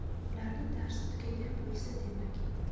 ularning darsi tugagan bo'lsa demak